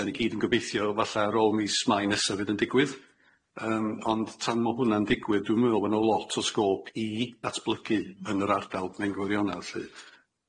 Dan ni gyd yn gobeithio falla ar ôl mis Mai nesa fydd yn digwydd yym ond tan ma' hwnna'n digwydd dwi'n meddwl ma' n'w lot o sgôp i datblygu yn yr ardal mewn gwirionedd 'lly.